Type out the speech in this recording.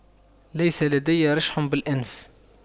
ليس لدي رشح بالأنف